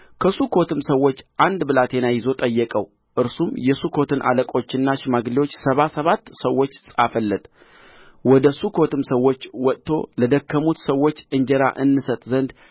ከሱኮትም ሰዎች አንድ ብላቴና ይዞ ጠየቀው እርሱም የሱኮትን አለቆችና ሽማግሌዎች ሰባ ሳባት ሰዎች ጻፈለት ወደ ሱኮትም ሰዎች መጥቶ ለደከሙት ሰዎችህ እንጀራ እንሰጥ ዘንድ